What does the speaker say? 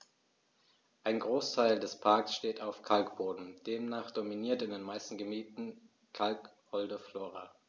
Ein Großteil des Parks steht auf Kalkboden, demnach dominiert in den meisten Gebieten kalkholde Flora.